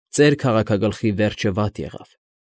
Ծեր քաղաքագլխի վերջը վատ եղավ։